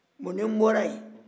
ni n bɔra yen